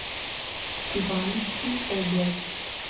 ивановский область